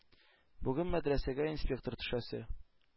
-бүген мәдрәсәгә инспектор төшәсе.